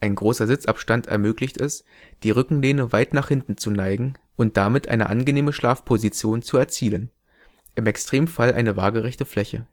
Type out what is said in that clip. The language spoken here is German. Ein großer Sitzabstand ermöglicht es, die Rückenlehne weit nach hinten zu neigen und damit eine angenehme Schlafposition zu erzielen, im Extremfall eine waagerechte Fläche